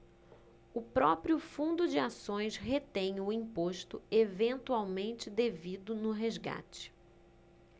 o próprio fundo de ações retém o imposto eventualmente devido no resgate